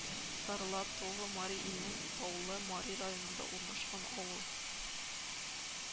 Сарлатово Мари Илнең Таулы Мари районында урнашкан авыл